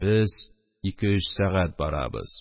Без ике-өч сәгать барабыз...